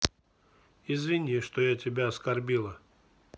извини что я тебя оскорбила